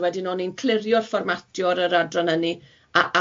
a wedyn o'n i'n clirio'r fformatio ar yr adran yna a